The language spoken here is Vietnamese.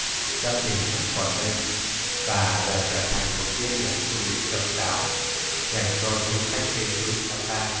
chợ tình vẫn còn đây và giờ trở thành một địa điểm du lịch độc đáo dành cho du khách đến với sapa